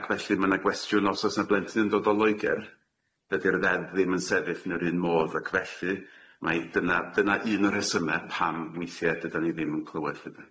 Ac felly ma' na gwestiwn os o's na blentyn yn dod o Loegr dydi'r ddeddf ddim yn sefyll yn yr un modd ac felly mai dyna dyna un o rhesyme pam weithie dydan ni ddim yn clywed ynde?